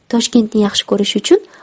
toshkentni yaxshi ko'rish uchun